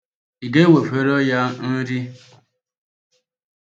Ị ga-ewefọrọ ya nri?